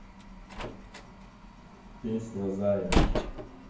песня зая